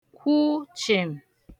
kwụ chìm